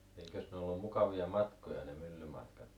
eikös ne ollut mukavia matkoja ne myllymatkat